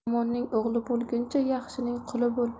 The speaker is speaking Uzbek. yomonning o'g'li bo'lguncha yaxshining quli bo'l